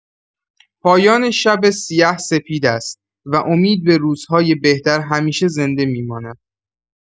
پایان شب سیه سپید است و امید به روزهای بهتر همیشه زنده می‌ماند.